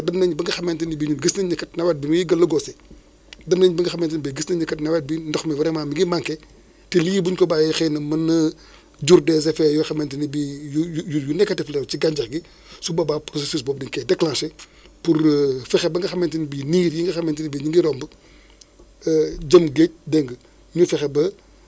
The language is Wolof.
léegi moom day obligé bu nekkee yooyu saxuñu buñ demee day jël yeneen yi remplacé ko moo tax am na yu nga xam ne en général day am ay problème ndox yoo xam ne dugub bi am na problème saxul wala yooyu wala gerte bi da ngay gis en général xaal day bëre parce que fu nga xam ne amul dugub bu sax wala gerte bu sax xaal lañ koy remplacé en général